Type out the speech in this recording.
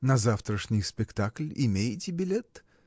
– На завтрашний спектакль имеете билет?